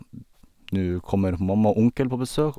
Nå kommer mamma og onkel på besøk.